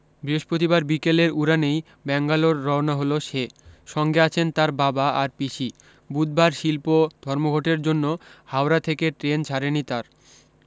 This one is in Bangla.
বৃহস্পতিবার বিকেলের উড়ানেই ব্যাঙ্গালোর রওনা হল সে সঙ্গে আছেন তার বাবা আর পিসি বুধবার শিল্প ধর্মঘটের জন্য হাওড়া থেকে ট্রেন ছাড়েনি তার